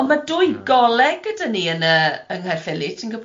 ond ma' dwy goleg gyda ni yn yy yng Nghaerffili, ti'n gwybod?